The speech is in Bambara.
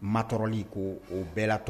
Ma dɔrɔnɔrɔli ko o bɛɛ latɔ